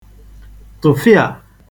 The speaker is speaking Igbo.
tụ̀fịà!